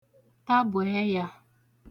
tabù ẹyā